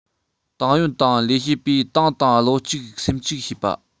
ཏང ཡོན དང ལས བྱེད པས ཏང དང བློ གཅིག སེམས གཅིག བྱེད པ